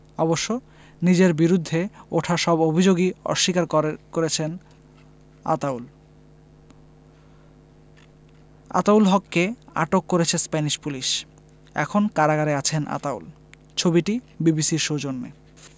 অবশ্য নিজের বিরুদ্ধে ওঠা সব অভিযোগই অস্বীকার করেছেন আতাউল আতাউল হককে আটক করেছে স্প্যানিশ পুলিশ এখন কারাগারে আছেন আতাউল ছবিটি বিবিসির সৌজন্যে